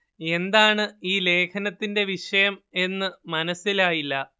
എന്താണ് ഈ ലേഖനത്തിന്റെ വിഷയം എന്നു മനസ്സിലായില്ല